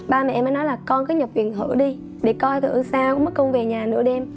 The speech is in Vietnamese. ba mẹ em mới nói là con cứ nhập viện thử đi để coi thử sao mất công về nhà nửa đêm